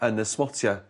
yn y smotia